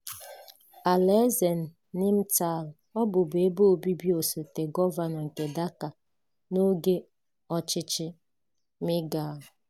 Ala Eze Nimtali, ọ bụbu ebe obibi Osote Gọvanọ nke Dhaka n'oge ọchịchị Mighal.